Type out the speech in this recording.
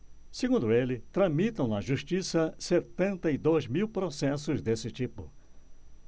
segundo ele tramitam na justiça setenta e dois mil processos desse tipo